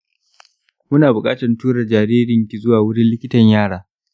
muna buƙatar tura jaririnki zuwa wurin likitan yara